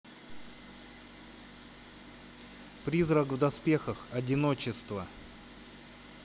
призрак в доспехах одиночество